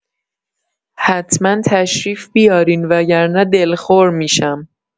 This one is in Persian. حتما تشریف بیارین وگرنه دلخور می‌شم.